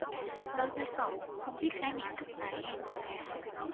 đối với cậu không biết khái niệm thất bại hay gục ngã